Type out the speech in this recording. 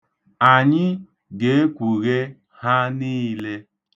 Anyị ga-ekwughe ha niile.